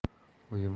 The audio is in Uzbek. oyim albatta choy